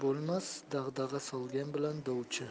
bo'lmas dag'dag'a solgan bilan dovchi